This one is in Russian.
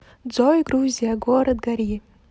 джой грузия город гори